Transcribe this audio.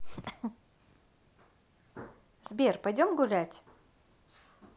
сбер пойдем гулять